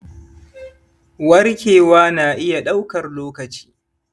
warkewa na iya ɗaukar lokaci